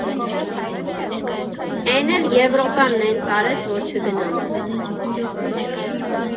Էն էլ Եվրոպան նենց արեց, որ չգնամ։